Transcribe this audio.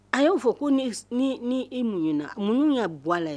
A y'o fɔ ko ni e munɲ na mun ka bɔ la